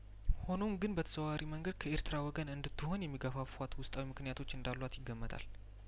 ሆኖም ግን በተዘዋዋሪ መንገድ ከኤርትራ ወገን እንድት ሆን የሚገፋ ፏት ውስጣዊ ምክንያቶች እንዳሏት ይገመታል